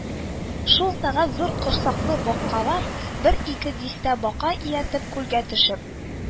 Шул сәгать зур корсаклы бакалар, бер-ике дистә бака ияртеп, күлгә төшеп